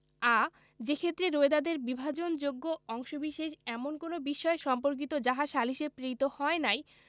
আ যেক্ষেত্রে রোয়েদাদের বিভাজনযোগ্য অংশবিশেষ এমন কোন বিষয় সম্পর্কিত যাহা সালিসে প্রেরিত হয় নাই